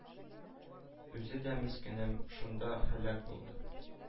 Үзе дә, мескенем, шунда һәлак булды.